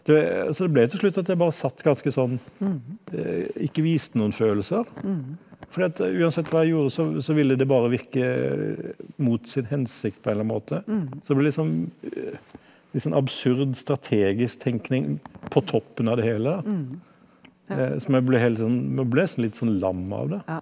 du så det ble til slutt at jeg bare satt ganske sånn ikke viste noen følelser, fordi at uansett hva jeg gjorde så så ville det bare virke mot sin hensikt på en eller annen måte, så det blir litt sånn litt sånn absurd, strategisk tenkning på toppen av det hele da som jeg ble helt sånn man blir nesten litt sånn lam av det.